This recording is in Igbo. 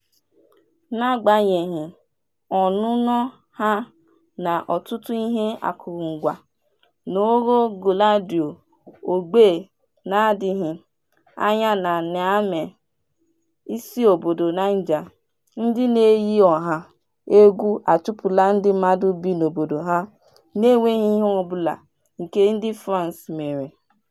N'agbanyeghị ọnụnọ ha na ọtụtụ ihe akụrụngwa, n'Ouro Guéladio, ógbè na-adịghị anya na Niamey, isiobodo Niger, ndị na-eyi ọha egwu achụpụla ndị mmadụ bi n'obodo ha, n'enweghị ihe ọbụla nke ndị France mere.